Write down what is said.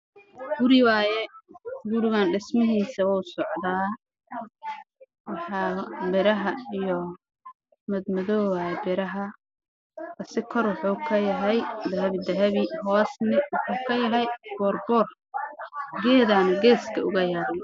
Waa guri dabaq oo dhisme ku socdo midabkoodu yahay jaalo